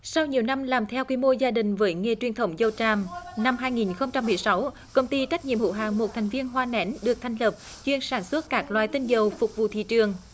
sau nhiều năm làm theo quy mô gia đình với nghề truyền thống dầu tràm năm hai nghìn không trăm mười sáu công ty trách nhiệm hữu hạn một thành viên hoa nén được thành lập chuyên sản xuất các loại tinh dầu phục vụ thị trường